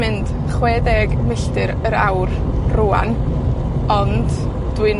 mynd chwedeg milltir yr awr, rŵan, ond dwi'n